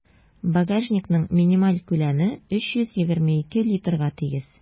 Багажникның минималь күләме 322 литрга тигез.